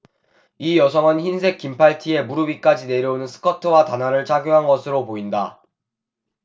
이 여성은 흰색 긴팔 티에 무릎 위까지 내려오는 스커트와 단화를 착용한 것으로 보인다